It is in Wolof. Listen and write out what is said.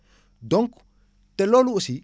donc te loolu aussi